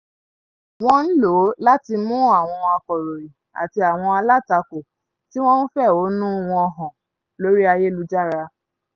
Wọ́n ń lò ó láti mú àwọn akọ̀ròyìn àti àwọn alátakò tí wọ́n ń fẹ̀hónú wọn hàn lórí ayélujára.